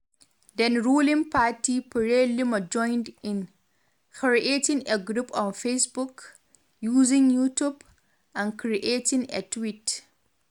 Then ruling party Frelimo joined in, creating a group on Facebook, using Youtube, and creating a tweet.